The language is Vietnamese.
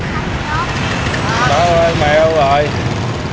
bảo ơi mày rồi